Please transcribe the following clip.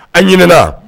A ɲ